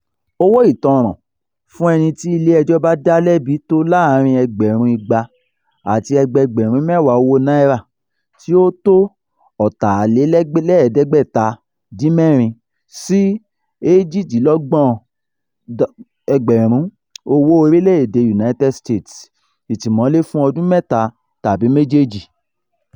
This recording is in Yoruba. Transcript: Owó ìtanràn fún ẹni tí ilé ẹjọ́ bá dá lẹ́bi tó láàárín ẹgbẹ̀rún 200 àti ẹgbẹẹgbẹ̀rún 10 owó naira [tí ó tó $556 sí $28,000 owó orílẹ̀ èdèe United States], ìtìmọ́lé fún ọdún mẹ́ta tàbí méjèèjì.